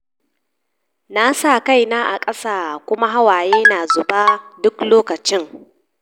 “Nasa kaina a kasa, kuma hawaye na zuba duk lokacin.